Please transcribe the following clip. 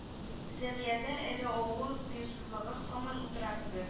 Зәлиядә әле авыл кыюсызлыгы һаман утыра кебек